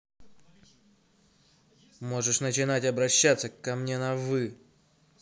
можешь начинать обращаться ко мне на вы